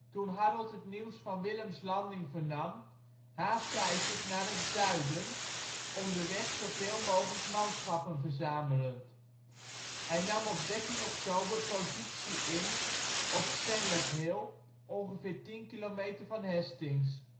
Toen Harold het nieuws van Willems landing vernam, haastte hij zich naar het zuiden, onderweg zoveel mogelijk manschappen verzamelend. Hij nam op 13 oktober positie in op Senlac Hill, ongeveer tien kilometer van Hastings